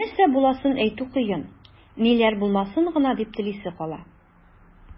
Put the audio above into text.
Нәрсә буласын әйтү кыен, ниләр булмасын гына дип телисе кала.